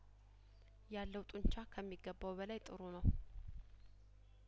ያለው ጡንቻ ከሚ ገባው በላይ ጥሩ ነው